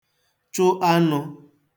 chụ anụ̄